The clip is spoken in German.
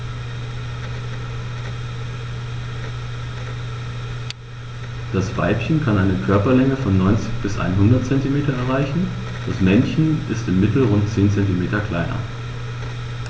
Das Weibchen kann eine Körperlänge von 90-100 cm erreichen; das Männchen ist im Mittel rund 10 cm kleiner.